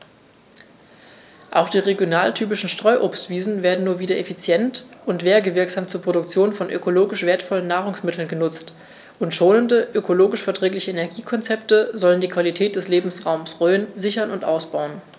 Auch die regionaltypischen Streuobstwiesen werden nun wieder effizient und werbewirksam zur Produktion von ökologisch wertvollen Nahrungsmitteln genutzt, und schonende, ökologisch verträgliche Energiekonzepte sollen die Qualität des Lebensraumes Rhön sichern und ausbauen.